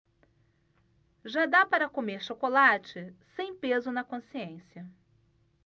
já dá para comer chocolate sem peso na consciência